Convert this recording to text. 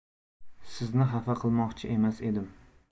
sizni xafa qilmoqchi emas edim